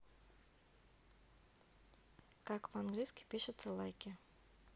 как по английски пишется лайки